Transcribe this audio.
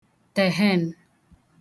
tèhenu